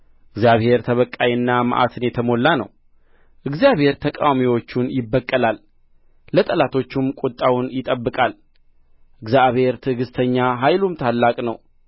እግዚአብሔር ተበቃይና መዓትን የተሞላ ነው እግዚአብሔር ተቃዋሚዎቹን ይበቀላል ለጠላቶቹም ቍጣውን ይጠብቃል እግዚአብሔር ትዕግሥተኛ ኃይሉም ታላቅ ነው